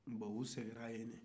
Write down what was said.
bɔn u sɛgɛna yen de